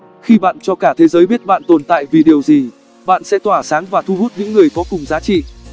khi bạn cho cả thế giới biết bạn tồn tại vì điều gì bạn sẽ tỏa sáng và thu hút những người có cùng giá trị